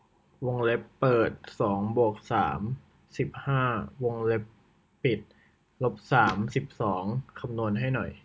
วงเล็บเปิดสองบวกสามสิบห้าวงเล็บปิดลบสามสิบสองคำนวณให้หน่อย